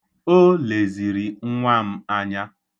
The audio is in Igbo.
O leziri nnwa m anya.